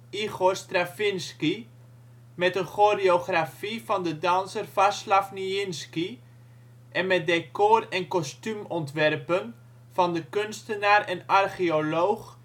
Igor Stravinsky, met een choreografie van de danser Vaslav Nijinsky en met decor - en kostuumontwerpen van de kunstenaar en archeoloog